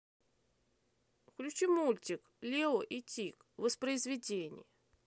включи мультик лео и тиг воспроизведение